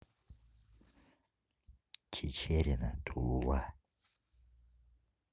чичерина тулула